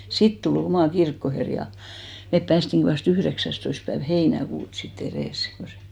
sitten tuli oma kirkkoherra ja me päästiinkin vasta yhdeksästoista päivä heinäkuuta sitten edes kun se